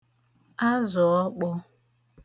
azụ̀ ọkpọ̄